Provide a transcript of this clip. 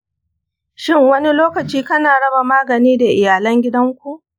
shin wani lokacin kana raba magani da iyalan gidanku?